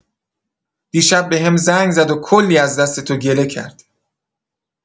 دیشب بهم زنگ زد و کلی از دست تو گله کرد